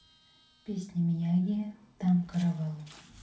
песня мияги там каравелла